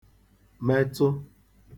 metụ